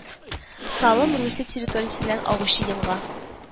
Салым Русия территориясеннән агучы елга